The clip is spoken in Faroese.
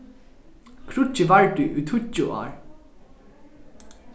kríggið vardi í tíggju ár